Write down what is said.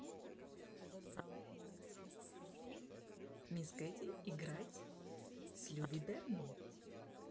miss katy играть с люби берном